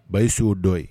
Bayisu yo dɔ ye.